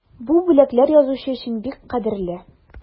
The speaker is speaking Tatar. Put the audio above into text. Бу бүләкләр язучы өчен бик кадерле.